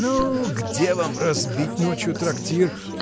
— Ну, где вам разбить ночью трактир!